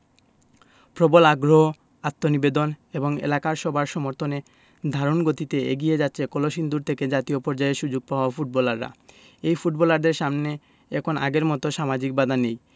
প্রবল আগ্রহ আত্মনিবেদন এবং এলাকার সবার সমর্থনে ধারুণ গতিতে এগিয়ে যাচ্ছে কলসিন্দুর থেকে জাতীয় পর্যায়ে সুযোগ পাওয়া ফুটবলাররা এই ফুটবলারদের সামনে এখন আগের মতো সামাজিক বাধা নেই